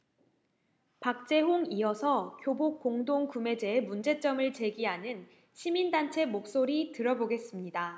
박재홍 이어서 교복공동구매제의 문제점을 제기하는 시민단체 목소리 들어보겠습니다